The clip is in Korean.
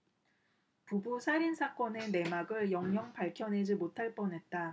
부부 살인 사건의 내막을 영영 밝혀내지 못할 뻔 했다